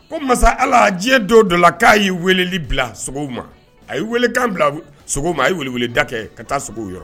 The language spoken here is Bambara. Ko masa allah diɲɛ don dɔ la k'a ye weeleli bila sogow ma, a ye weele da kan bila sogow ma, a ye weele weele da kɛ ka taa sogow yɔrɔ